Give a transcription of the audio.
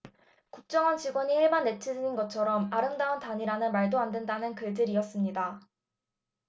국정원 직원이 일반 네티즌인 것처럼 아름다운 단일화는 말도 안 된다는 글들이었습니다